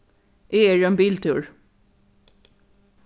eg eri ein biltúr